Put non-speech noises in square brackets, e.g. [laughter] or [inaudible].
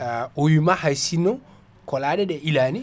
[hesitation] o wima hay sinno ko laɗeɗe ilani